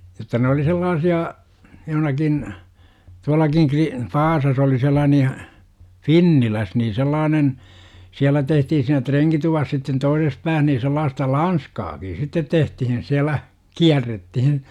jotta ne oli sellaisia johonkin tuollakin - Vaasassa oli sellainen ja Finnilässä niin sellainen siellä tehtiin siinä renkituvassa sitten toisessa päässä niin sellaista lanskaakin sitten tehtiin siellä kierrettiin